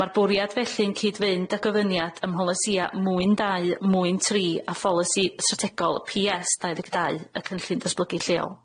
Ma'r bwriad felly'n cyd-fynd â gofyniad ym mholysia mwyn dau mwyn tri a pholisi strategol Pee Ess dau ddeg dau y cynllun ddatblygu lleol.